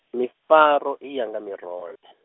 mifaro i ya nga mirole .